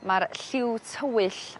ma'r lliw tywyll